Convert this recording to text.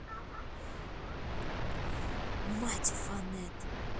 мать уфанет